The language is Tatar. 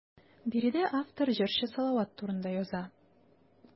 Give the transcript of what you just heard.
Биредә автор җырчы Салават турында яза.